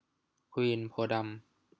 ควีนโพธิ์ดำ